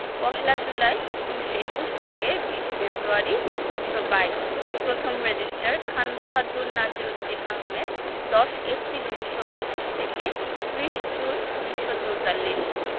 পহেলা জুলাই ১৯২১ থেকে ২০ ফেব্রুয়ারি ১৯২২ প্রথম রেজিস্টার খানবাহাদুর নাজির উদ্দিন আহমদ ১০ এপ্রিল ১৯২১ থেকে ৩০ জুন ১৯৪৪